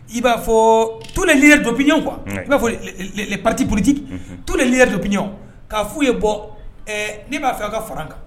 I b'a fɔ tu li dɔbiɲɔgɔnɔn kuwa i b'a fɔ patioliti tu liya dɔɲɔgɔnɔn k'a f fɔ uu ye bɔ n'i b'a fɛ an ka fara kan